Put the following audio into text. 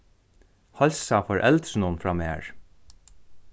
heilsa foreldrunum frá mær